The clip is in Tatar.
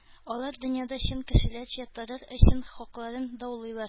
Алар дөньяда чын кешеләрчә торыр өчен хакларын даулыйлар